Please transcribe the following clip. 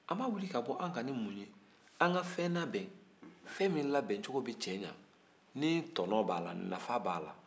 an b'a wuli k'a bɔ an kan ni mun ye an ka fɛn labɛn fɛn min labɛncogo bɛ cɛ ɲɛ ni tɔnɔ b'a la nafa b'a la